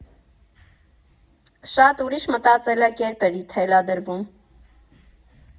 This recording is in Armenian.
Շատ ուրիշ մտածելակերպ էր թելադրվում։